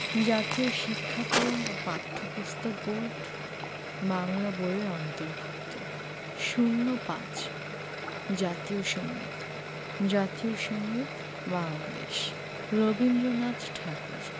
জাতীয় শিক্ষাক্রম ও পাঠ্যপুস্তক বোর্ড বাংলা বই এর অন্তর্ভুক্ত ০৫ জাতীয় সংগীত জাতীয় সংগীত বাংলাদেশ রবীন্দ্রনাথ ঠাকুর